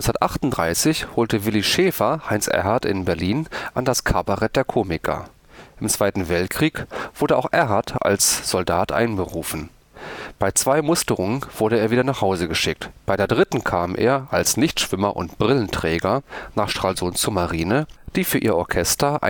1938 holte Willy Schaeffers Heinz Erhardt in Berlin an das Kabarett der Komiker. Im Zweiten Weltkrieg wurde auch Erhardt als Soldat einberufen. Bei zwei Musterungen wurde er wieder nach Hause geschickt, bei der dritten kam er – als Nichtschwimmer und Brillenträger – nach Stralsund zur Marine, die für ihr Orchester